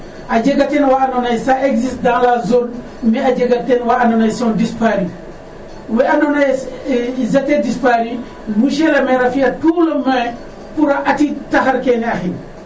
A jega ten wa andoona yee ca existe dans la zone mais a jega teen wa andoona yee sont disparu we andoona yee ils étaient disparu monsieur le maire a fi'a tout les moyens pour atiid taxar kene ahin .